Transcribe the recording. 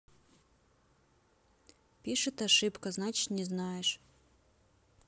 пишет ошибка значит не знаешь